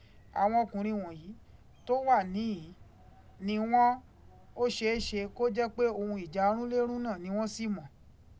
Àwọn ọkùnrin wọ̀nyí, tó wà níhìn ín, ni wọ́n, ó ṣeé ṣe kó jẹ́ pé ohun ìjà runlérùnnà ni wọ́n sì mọ̀.